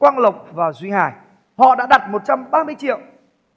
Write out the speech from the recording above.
quang lộc và duy hải họ đã đặt một trăm ba mươi triệu